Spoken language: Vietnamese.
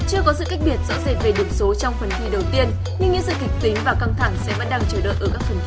chưa có sự cách biệt rõ rệt về điểm số trong phần thi đầu tiên nhưng những sự kịch tính và căng thẳng sẽ vẫn đang chờ đợi ở